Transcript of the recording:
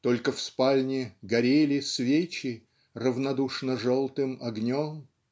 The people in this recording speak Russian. Только в спальне горели свечи Равнодушно-желтым огнем?